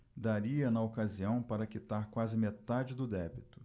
daria na ocasião para quitar quase metade do débito